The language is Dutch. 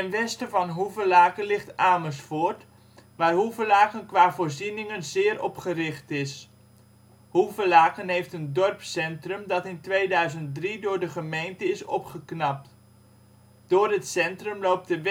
westen van Hoevelaken ligt Amersfoort, waar Hoevelaken qua voorzieningen zeer op gericht is. Hoevelaken heeft een dorpscentrum dat in 2003 door de gemeente is opgeknapt. Door het centrum loopt de Westerdorpsstraat